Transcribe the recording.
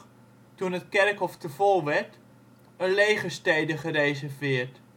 toen het kerkhof te vol werd) een legerstede gereserveerd